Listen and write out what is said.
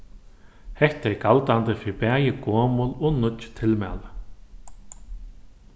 hetta er galdandi fyri bæði gomul og nýggj tilmæli